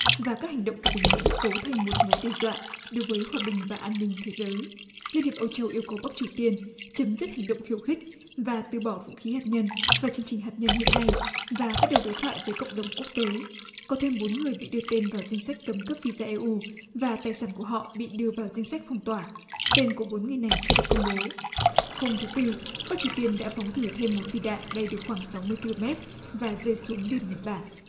và các hành động của bình nhưỡng cấu thành một mối đe dọa đối với hòa bình và an ninh thế giới liên hiệp âu châu yêu cầu bắc triều tiên chấm dứt hành động khiêu khích và từ bỏ vũ khí hạt nhân và chương trình hạt nhân hiện nay và bắt đầu đối thoại với cộng đồng quốc tế có thêm bốn người bị đưa tên vào danh sách cấm cấp vi za e u và tài sản của họ bị đưa vào danh sách phong tỏa tên của bốn người này chưa được công bố hôm thứ tư bắc triều tiên đã phóng thử thêm một phi đạn bay được khoảng sáu mươi ki lô mét và rơi xuống biển nhật bản